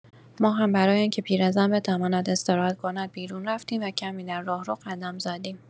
ما هم برای آنکه پیرزن بتواند استراحت کند بیرون رفتیم و کمی در راهرو قدم زدیم.